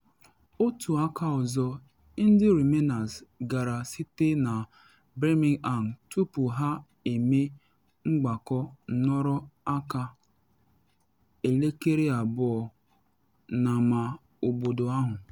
Otu aka ọzọ, ndị Remainers gara site na Birmingham tupu ha emee mgbakọ nọrọ aka elekere-abụọ n’ama obodo ahụ.